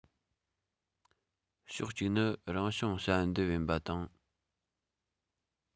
ཕྱོགས གཅིག ནི རང བྱུང བསལ འདེམས ཡིན པ དང